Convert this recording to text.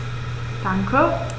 Danke.